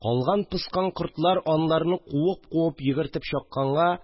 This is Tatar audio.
Калган-поскан кортлар анларны куып-куып йөгертеп чакканга